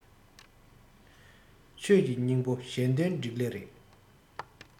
ཆོས ཀྱི སྙིང པོ གཞན དོན འགྲིག ལེ རེད